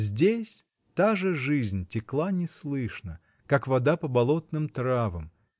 здесь та же жизнь текла неслышно, как вода по болотным травам